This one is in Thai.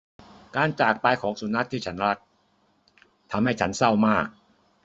การจากไปของสุนัขที่ฉันรักทำให้ฉันเศร้ามาก